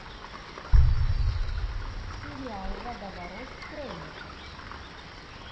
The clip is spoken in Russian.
сериал водоворот трейлер